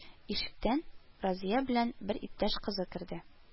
Ишектән Разия белән бер иптәш кызы керде